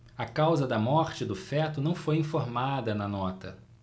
a causa da morte do feto não foi informada na nota